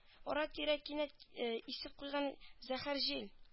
Ара-тирә кинәт исеп куйган зәһәр җил